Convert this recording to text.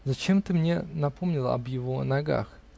)-- Зачем ты мне напомнила об его ногах?